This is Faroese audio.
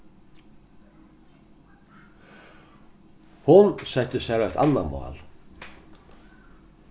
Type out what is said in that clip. hon setti sær eitt annað mál